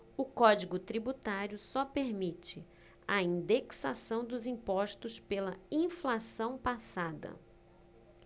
o código tributário só permite a indexação dos impostos pela inflação passada